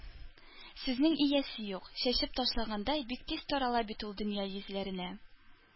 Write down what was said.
Сүзнең иясе юк, чәчеп ташлагандай, бик тиз тарала бит ул дөнья йөзләренә.